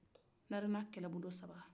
repetition